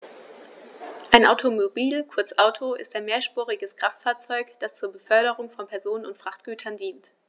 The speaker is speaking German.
Ein Automobil, kurz Auto, ist ein mehrspuriges Kraftfahrzeug, das zur Beförderung von Personen und Frachtgütern dient.